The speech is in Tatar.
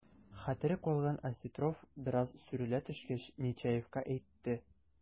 Хәтере калган Осетров, бераз сүрелә төшкәч, Нечаевка әйтте: